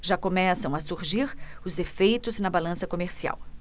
já começam a surgir os efeitos na balança comercial